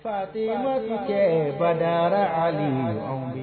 Patigibatigi kɛ badayara